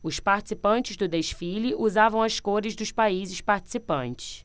os participantes do desfile usavam as cores dos países participantes